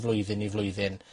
flwyddyn i flwyddyn.